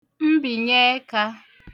mbìnyeẹkā